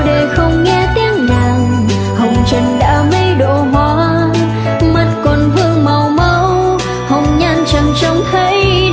bồ đề không nghe tiếng nàng hồng trần đã mấy độ hoa mắt còn vương màu máu hồng nhan chẳng trông thấy đâu